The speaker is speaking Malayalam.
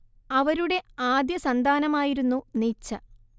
അവരുടെ ആദ്യസന്താനമായിരുന്നു നീച്ച